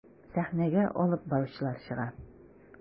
Сәхнәгә алып баручылар чыга.